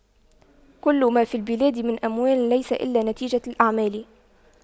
كل ما في البلاد من أموال ليس إلا نتيجة الأعمال